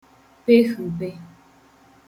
behùbe